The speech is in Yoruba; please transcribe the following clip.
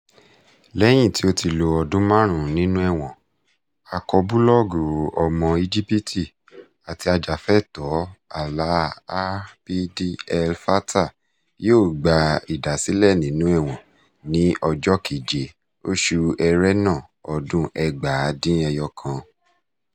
Lẹ́yìn tí ó ti lo ọdún 5 nínú ẹ̀wọ̀n, akọbúlọ́ọ̀gù ọmọ Íjípìtì àti ajàfúnẹ̀tọ́ Alaa Abd El Fattah yóò gba ìdásílẹ̀ nínú ẹ̀wọ̀n ní ọjọ́ 7, oṣù Ẹrẹ́nà, ọdún 2019.